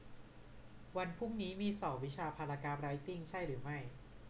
วันพรุ่งนี้มีสอบวิชาพารากราฟไรท์ติ้งใช่หรือไม่